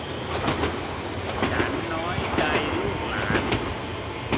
ฉันน้อยใจลูกหลาน